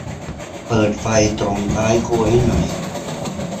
เปิดไฟตรงท้ายครัวให้หน่อย